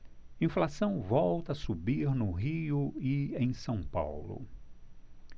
inflação volta a subir no rio e em são paulo